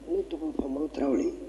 Olu tugu tarawelew